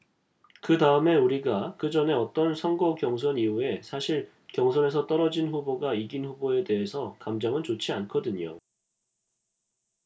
그다음에 우리가 그 전에 어떤 선거 경선 이후에 사실 경선에서 떨어진 후보가 이긴 후보에 대해서 감정은 좋지 않거든요